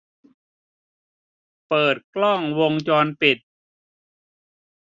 เปิดกล้องวงจรปิด